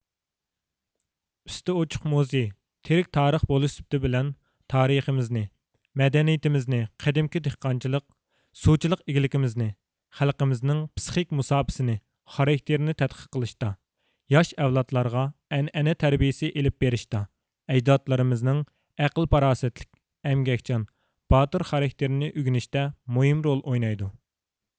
ئۈستى ئۇچۇق موزىي تىرىك تارىخ بولۇش سۈپىتى بىلەن تارىخىمىزنى مەدەنىيىتىمىزنى قەدىمكى دېھقانچىلىق سۇچىلىق ئىگىلىكىمىزنى خەلقىمىزنىڭ پىسخىك مۇساپىسىنى خاراكتىرنى تەتقىق قىلىشتا ياش ئەۋلادلارغا ئەنئەنە تەربىيىسى ئېلىپ بېرىشتا ئەجدادلىرىمىزنىڭ ئەقىل پاراسەتلىك ئەمگەكچان باتۇر خاراكتېرىنى ئۆگىنىشىتە مۇھىم رول ئوينايدۇ